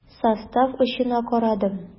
Состав очына карадым.